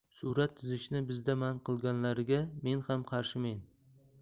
surat chizishni bizda man qilganlariga men ham qarshimen